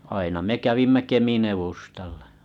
aina me kävimme Kemin edustalla